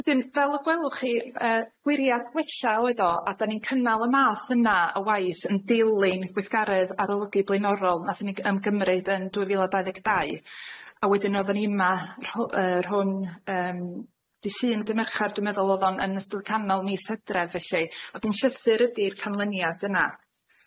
Wedyn fel y gwelwch chi yy gwiriad gwella oedd o a da ni'n cynnal y math yna o waith yn dilyn y gweithgaredd arolygu blaenorol nathon ni g- ymgymryd yn dwy fil a dau ddeg dau a wedyn odden ni yma rhw- yy rhwng yym disun dy Merchar dwi'n meddwl odd o'n yn ystod y canol mis Hydref felly a 'dyn llythyr ydi'r canlyniad yna.